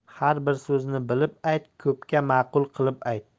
har bir so'zni bilib ayt ko'pga ma'qul qilib ayt